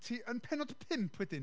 Ti, yn pennod pump, wedyn,